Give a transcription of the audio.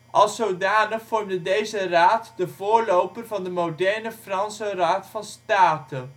Alszodanig vormde deze raad de voorloper van de moderne Franse Raad van State